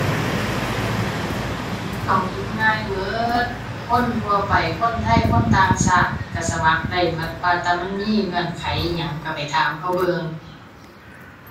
เข้าถึงง่ายหมด คนทั่วไป คนไทย คนต่างชาติ หมดสมัครได้หมด ว่าแต่มันมีเงื่อนไขอิหยังหมดไปถามเขาเบิ่ง